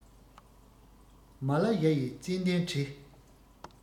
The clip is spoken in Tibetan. མ ལ ཡ ཡི ཙན དན དྲི